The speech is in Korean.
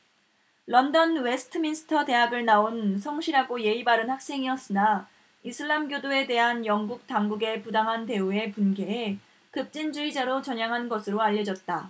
런던 웨스트민스터 대학을 나온 성실하고 예의 바른 학생이었으나 이슬람교도에 대한 영국 당국의 부당한 대우에 분개해 급진주의자로 전향한 것으로 알려졌다